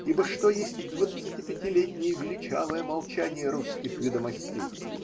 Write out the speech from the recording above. Ибо что есть двадцатипятилетнее величавое молчание Русских Ведомостей?